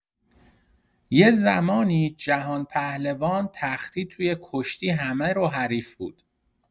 یه زمانی جهان‌پهلوان تختی توی کشتی همه رو حریف بود.